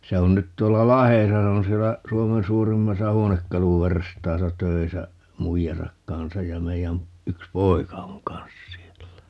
se on nyt tuolla Lahdessa se on siellä Suomen suurimmassa huonekaluverstaassa töissä muijansa kanssa ja meidän yksi poika on kanssa siellä